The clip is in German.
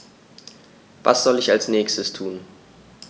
Was soll ich als Nächstes tun?